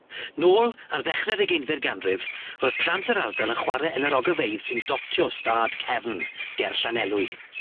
Nôl ar ddechre'r ugeinfed ganrif roedd plant yr ardal yn chware yn yr ogofeydd sy'n dotio o stâd cefn ger Llanelwy.